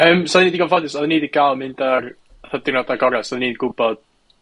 Yym, so o'n i'n digon ffodus, o'n i 'di ga'l mynd ar fatha diwrnod agorad, so oddan i'n gwbod